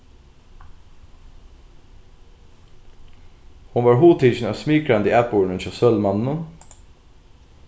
hon varð hugtikin av smikrandi atburðinum hjá sølumanninum